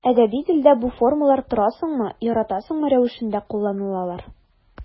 Әдәби телдә бу формалар торасыңмы, яратасыңмы рәвешендә кулланылалар.